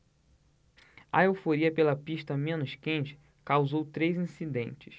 a euforia pela pista menos quente causou três incidentes